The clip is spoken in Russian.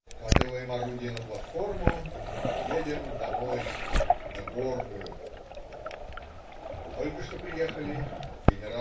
" Вкатываем орудия на платформу, едем "домой", на Горную. Только что приехали - ген.